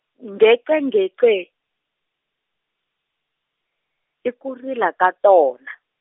ngece ngece, i ku rila ka tona.